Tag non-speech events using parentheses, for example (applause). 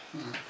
(hesitation) (hesitation)